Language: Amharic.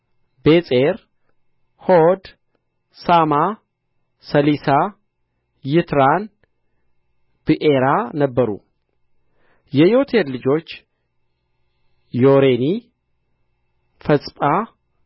ቤጼር ሆድ ሳማ ሰሊሳ ይትራን ብኤራ ነበሩ የዬቴር ልጆች ዮሮኒ ፊስጳ